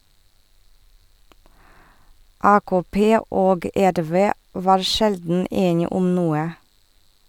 AKP og RV var sjelden enig om noe.